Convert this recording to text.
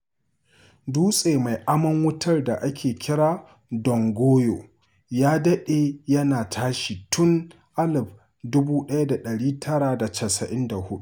Dutse mai amon wutar da ake kira "Don Goyo" ya daɗe yana tashi tun 1994.